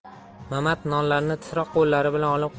mamat nonlarni titroq qo'llari